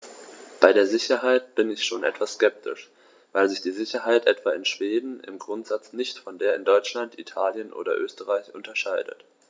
Bei der Sicherheit bin ich schon etwas skeptisch, weil sich die Sicherheit etwa in Schweden im Grundsatz nicht von der in Deutschland, Italien oder Österreich unterscheidet.